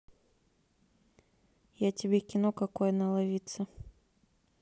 я тебе кино какое наловится